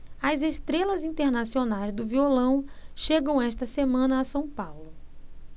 as estrelas internacionais do violão chegam esta semana a são paulo